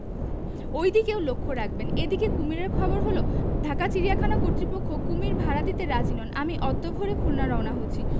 ঐ দিকেও লক্ষ রাখবেন এ দিকে কুমীরের খবর হল ঢাকা চিড়িয়াখানা কর্তৃপক্ষ কুমীর ভাড়া দিতে রাজী নন আমি অদ্য ভোরে খুলনা রওনা হচ্ছি